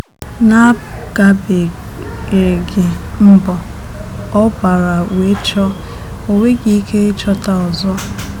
Na-agabgheghị mbọ ọ gbara wee chọọ, o nweghị ike ịchọta ọzọ.